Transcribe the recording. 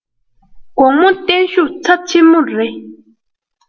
དགོང མོ བསྟན བཤུག ཚབས ཆེན མོ རེ